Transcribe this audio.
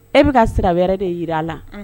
E bɛka ka sira wɛrɛ de jira a la